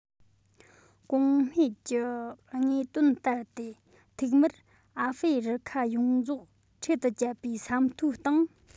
གོང སྨྲས ཀྱི དངོས དོན ལྟར ཏེ ཐིག དམར ཨ ཧྥེ རི ཁ ཡོངས རྫོགས འཕྲེད དུ བཅད པའི ས མཐོའི སྟེང